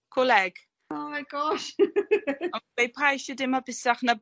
coleg. Oh my gosh. pa eisie dim apusach na